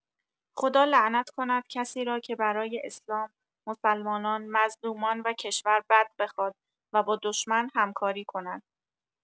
خدا لعنت کند کسی را که برای اسلام، مسلمان، مظلومان و کشور بد بخواد، و با دشمن همکاری کند.